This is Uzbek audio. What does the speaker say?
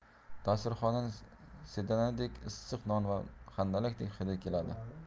dasturxondan sedanalik issiq non va handalak hidi keladi